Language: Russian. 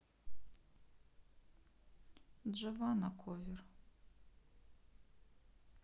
джавана ковер